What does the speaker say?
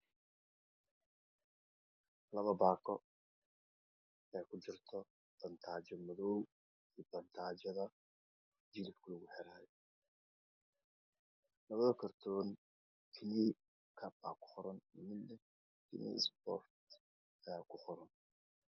Labo baako ee Ku jirto banjaado madow iyo banjaatada jilibka lagu xiranayo labada kartoon kiikab aa Ku qoron iyo isboort